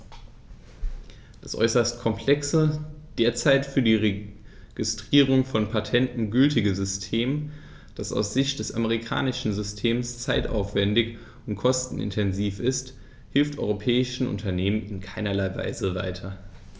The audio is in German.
Das äußerst komplexe, derzeit für die Registrierung von Patenten gültige System, das aus Sicht des amerikanischen Systems zeitaufwändig und kostenintensiv ist, hilft europäischen Unternehmern in keinerlei Weise weiter.